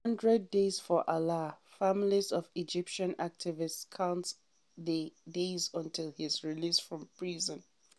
100 days for Alaa: Family of Egyptian activist counts the days until his release from prison